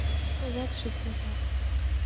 увядший цветок